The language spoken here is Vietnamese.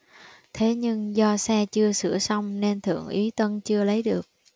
thế nhưng do xe chưa sửa xong nên thượng úy tuân chưa lấy được